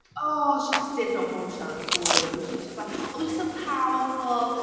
Oh she just did not bombshell at all though. She was like "Oh he's so powerful."